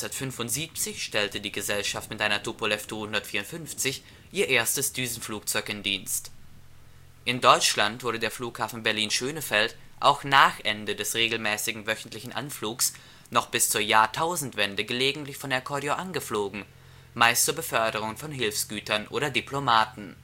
1975 stellte die Gesellschaft mit einer Tupolew Tu-154 ihr erstes Düsenflugzeug in Dienst. In Deutschland wurde der Flughafen Berlin-Schönefeld auch nach Ende des regelmäßigen wöchentlichen Anflugs noch bis zur Jahrtausendwende gelegentlich von Air Koryo angeflogen, meist zur Beförderung von Hilfsgütern oder Diplomaten